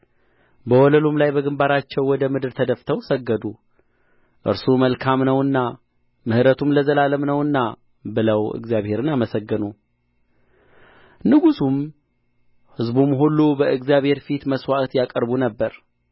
በወለሉም ላይ በግምባራቸው ወደ ምድር ተደፍተው ሰገዱ እርሱ መልካም ነውና ምሕረቱም ለዘላለም ነውና ብለውም እግዚአብሔርን አመሰገኑ ንጉሡም ሕዝቡም ሁሉ በእግዚአብሔር ፊት መሥዋዕት ያቀርቡ ነበር